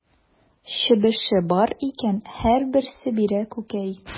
Чебеше бар икән, һәрберсе бирә күкәй.